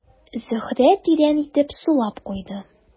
Зөһрә тирән итеп сулап куйды.